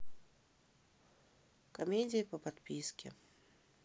комедия по подписке